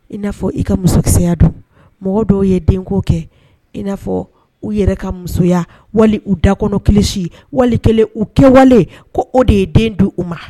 In n'a fɔ i ka musokisɛya don mɔgɔ dɔw ye denko kɛ i n'a fɔ u yɛrɛ ka musoya wali u dakɔnɔ kisi wali kɛlen u kɛwale ko o de ye den di u ma